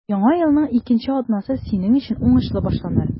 Яңа елның икенче атнасы синең өчен уңышлы башланыр.